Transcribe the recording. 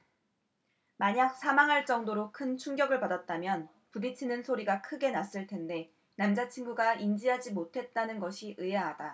만약 사망할 정도로 큰 충격을 받았다면 부딪치는 소리가 크게 났을 텐데 남자친구가 인지하지 못했다는 것이 의아하다